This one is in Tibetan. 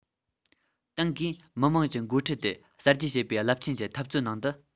ཏང གིས མི དམངས ཀྱི འགོ ཁྲིད དེ གསར བརྗེ བྱེད པའི རླབས ཆེན གྱི འཐབ རྩོད ནང དུ